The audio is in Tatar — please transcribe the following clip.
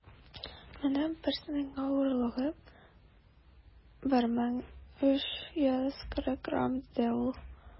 - менә берсенең авырлыгы 1340 грамм, - диде ул.